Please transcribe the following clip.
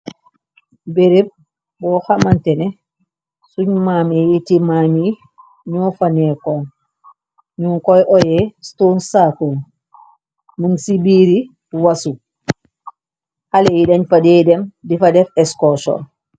Bereb boo xamante ne suñ mamiyi ti mam yi ñoo fa neekoon, ñu koy oye stone saakul, mung ci biiri wasu, xale yi dañ fa dee dem di fa def escoson.